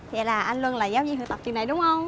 vậy là anh luân là giáo viên thực tập trường này đúng hông